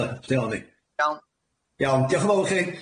Iawn, diolch yn fawr i chi.